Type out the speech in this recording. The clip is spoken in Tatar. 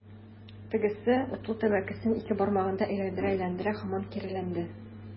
Тегесе, утлы тәмәкесен ике бармагында әйләндерә-әйләндерә, һаман киреләнде.